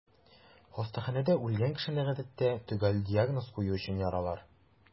Хастаханәдә үлгән кешене, гадәттә, төгәл диагноз кую өчен яралар.